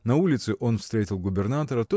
На улице он встретил губернатора.